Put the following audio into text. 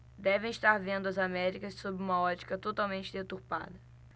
devem estar vendo as américas sob uma ótica totalmente deturpada